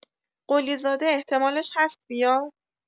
قلی زاده احتمالش هست بیاد؟